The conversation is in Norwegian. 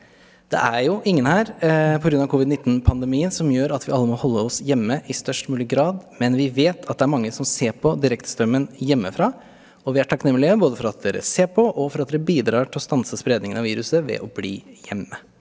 det er jo ingen her pga. covid-nitten-pandemien som gjør at vi alle må holde oss hjemme i størst mulig grad, men vi vet at det er mange som ser på direktestrømmen hjemmefra, og vi er takknemlige både for at dere ser på og for at dere bidrar til å stanse spredningen av viruset ved å bli hjemme.